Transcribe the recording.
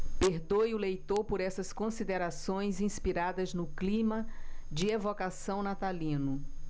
perdoe o leitor por essas considerações inspiradas no clima de evocação natalino